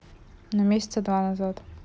ну месяца два назад